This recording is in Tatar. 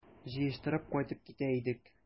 Җыештырып кайтып китә идек...